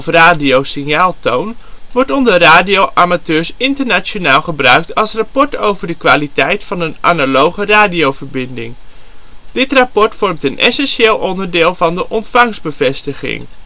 Radio-Signaal-Toon) wordt onder radio-amateurs internationaal gebruikt als rapport over de kwaliteit van een (analoge) radioverbinding. Dit rapport vormt een essentieel onderdeel van de ontvangstbevestiging